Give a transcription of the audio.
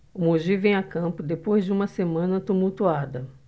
o mogi vem a campo depois de uma semana tumultuada